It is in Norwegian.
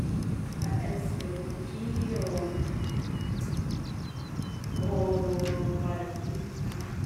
Jeg elsker å gå på ski og og være på hytta.